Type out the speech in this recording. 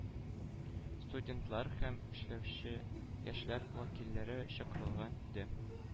Студентлар һәм эшләүче яшьләр вәкилләре чакырылган иде.